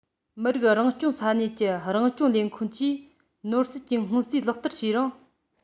མི རིགས རང སྐྱོང ས གནས ཀྱི རང སྐྱོང ལས ཁུངས ཀྱིས ནོར སྲིད ཀྱི སྔོན རྩིས ལག བསྟར བྱེད རིང